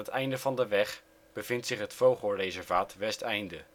einde van de weg bevindt zich het vogelreservaat Westeinde